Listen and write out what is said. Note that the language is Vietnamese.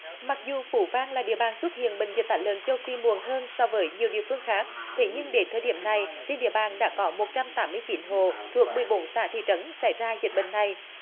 mặc dù phú vang là địa bàn xuất hiện bệnh dịch tả lợn châu phi muộn hơn so với nhiều địa phương khác thế nhưng đến thời điểm này trên địa bàn đã có một trăm tám mươi chín hộ thuộc mười bốn xã thị trấn xảy ra dịch bệnh này